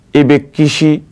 E be kisi.